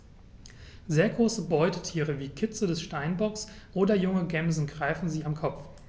Sehr große Beutetiere wie Kitze des Steinbocks oder junge Gämsen greifen sie am Kopf.